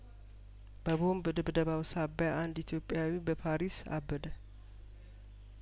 በቦንብ ድብደባው ሳቢያአንድ ኢትዮጵያዊ በፓሪስ አበደ